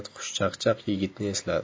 xushchaqchaq yigitni esladi